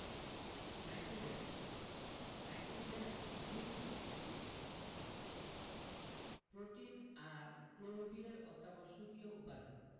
nitrogen nitrogen nucleic acid protein আর ক্লোরোফিলের অত্যাবশ্যকীয় উপাদান